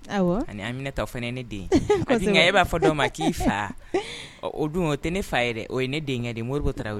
Ayiwa ani'amina ta fana ye ne den e b'a fɔ d' ma k'i fa o dun o tɛ ne fa yɛrɛ o ye ne denkɛ ye mori tarawele